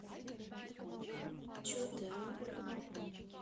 че ты а